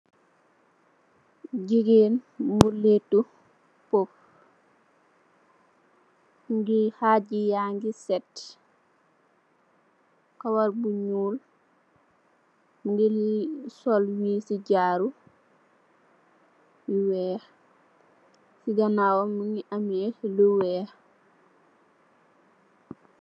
jigeen bu let pof ngi Haji yangi set kawar bu nyool mu ngi sol wisi jaaru yu weex ganawam mungi ameh lu weex